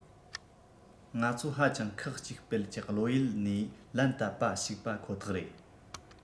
ང ཚོ ཧ ཅང ཁག གཅིག སྤེལ གྱི བློ ཡུལ ནས ལན བཏབ པ ཞིག པ ཁོ ཐག རེད